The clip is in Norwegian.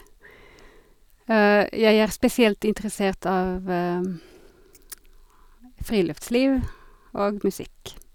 Jeg er spesielt interessert av friluftsliv og musikk.